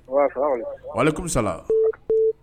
salamalekum walekumsala